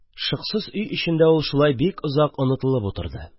Шыксыз өй эчендә ул шулай бик озак онытылып утырды